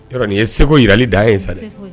Yɔrɔ nin ye segu jirali da ye sa